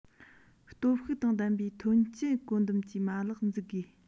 སྟོབས ཤུགས དང ལྡན པའི ཐོན སྐྱེད བཀོད འདོམས ཀྱི མ ལག འཛུགས དགོས